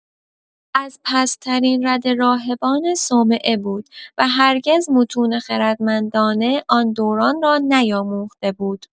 از پست‌ترین رده راهبان صومعه بود و هرگز متون خردمندانه آن دوران را نیاموخته بود.